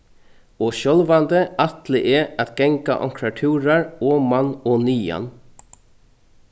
og sjálvandi ætli eg at ganga onkrar túrar oman og niðan